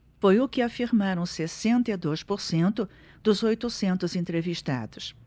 foi o que afirmaram sessenta e dois por cento dos oitocentos entrevistados